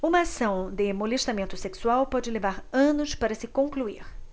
uma ação de molestamento sexual pode levar anos para se concluir